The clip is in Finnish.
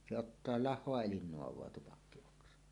se ottaa lahoa eli naavaa tupakkioksa